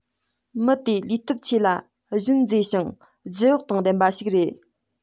མི དེ ལུས སྟོབས ཆེ ལ བཞིན མཛེས ཤིང བརྗིད བག དང ལྡན པ ཞིག རེད